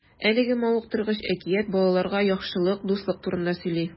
Әлеге мавыктыргыч әкият балаларга яхшылык, дуслык турында сөйли.